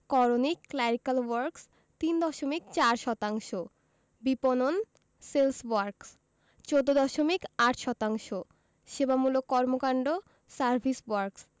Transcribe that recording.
করণিক clerical works ৩ দশমিক ৪ শতাংশ বিপণন সেলস ওয়ার্ক্স ১৪দশমিক ৮ শতাংশ সেবামূলক কর্মকান্ড সার্ভিস ওয়ার্ক্স